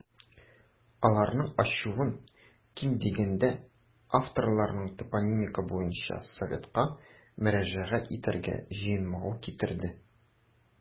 Аларның ачуын, ким дигәндә, авторларның топонимика буенча советка мөрәҗәгать итәргә җыенмавы китерде.